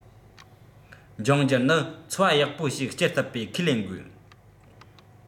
འབྱུང འགྱུར ནི འཚོ བ ཡག པོ ཞིག སྐྱེལ ཐུབ པའི ཁས ལེན དགོས